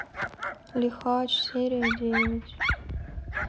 лихач серия девять